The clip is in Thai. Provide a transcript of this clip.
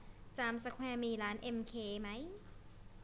จามสแควร์มีร้านเอ็มเคไหม